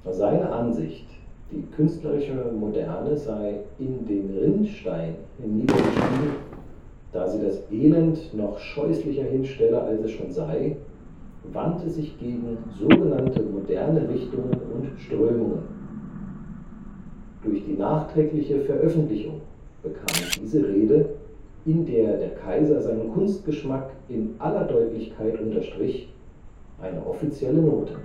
Seine Ansicht, die künstlerische Moderne sei ‚ in den Rinnstein ‘niedergestiegen, da sie das Elend noch scheußlicher hinstelle als es schon sei, wandte sich gegen sogenannte moderne Richtungen und Strömungen. Durch die nachträgliche Veröffentlichung bekam diese Rede, in der der Kaiser seinen Kunstgeschmack in aller Deutlichkeit unterstrich, eine offizielle Note